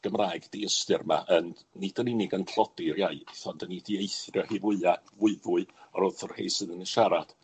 Gymraeg di-ystyr 'ma yn nid yn unig yn tlodi'r iaith, ond yn ei dieithrio hi fwya fwyfwy, o'r wrth y rhei sydd yn siarad.